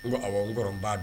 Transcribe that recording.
Ko aw kɔrɔ'a dɔn